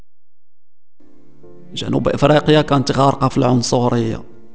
جنوب افريقيا كانت غارقا في العنصريه